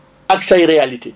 ak say réalités